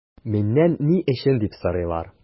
Миннән “ни өчен” дип сорыйлар.